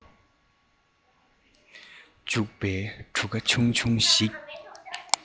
འཇུག པའི གྲུ ག ཆུང ཆུང ཞིག